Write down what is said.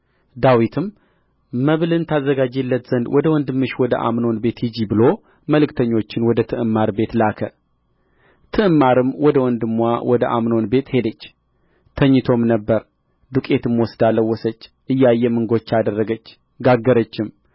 ዳዊትም መብልን ታዘጋጂለት ዘንድ ወደ ወንድምሽ ወደ አምኖን ቤት ሂጂ ብሎ መልእክተኞችን ወደ ትዕማር ቤት ላከ ትዕማርም ወደ ወንድምዋ ወደ አምኖን ቤት ሄደች ተኝቶም ነበር ዱቄትም ወስዳ ለወሰች እያየም እንጎቻ አደረገች ጋገረችም